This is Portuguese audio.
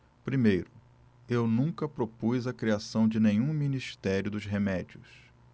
primeiro eu nunca propus a criação de nenhum ministério dos remédios